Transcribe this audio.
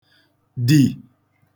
dì